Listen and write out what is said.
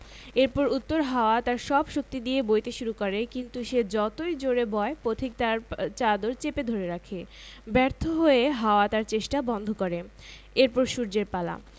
এরপর উত্তর হাওয়া তার সব শক্তি দিয়ে বইতে শুরু করে কিন্তু সে যতই জোড়ে বয় পথিক তার চাদর চেপে ধরে রাখে ব্যর্থ হয়ে হাওয়া তার চেষ্টা বন্ধ করে এর পর সূর্যের পালা